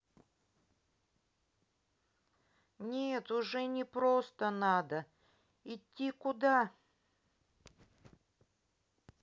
нет уже не просто надо идти куда